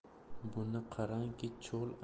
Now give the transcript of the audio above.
buni qarangki chol